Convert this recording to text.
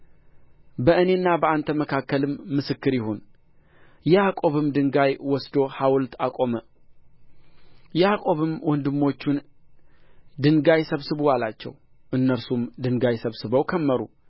በእኔና በአንተ መካከልም ምስክር ይሁን ያዕቆብም ድንጋይ ወስዶ ሐውልት አቆመ ያዕቆብም ወንድሞቹን ድንጋይ ሰብስቡ አላቸው እነርሱም ድንጋይ ሰብስበው ከመሩ